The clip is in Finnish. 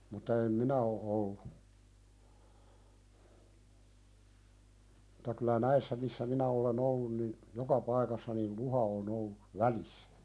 mutta en minä ole ollut mutta kyllä näissä missä minä olen ollut niin joka paikassa niin luhta on ollut välissä